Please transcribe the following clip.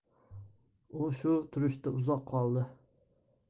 u shu turishida uzoq qoldi